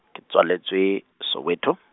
ke tswaletswe, Soweto.